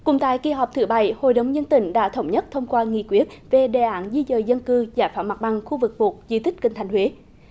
cũng tại kỳ họp thứ bảy hội đồng dân tỉnh đã thống nhất thông qua nghị quyết về đề án di dời dân cư giải phóng mặt bằng khu vực một di tích kinh thành huế